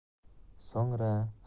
so'ngra asta sekin